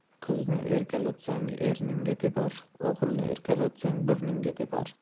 qizni erkalatsang erningga tepar o'g'ilni erkalatsang burningga tepar